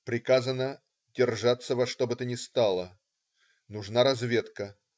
Приказано: держаться во что бы то ни стало. Нужна разведка.